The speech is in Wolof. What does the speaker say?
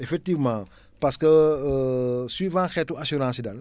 effectivement parce que suivant xeetu assurance yi daal